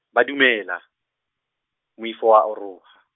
ba dumela, moifo wa oroha.